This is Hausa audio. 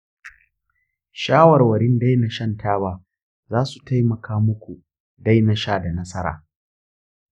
shawarwarin daina shan taba za su taimaka muku daina sha da nasara.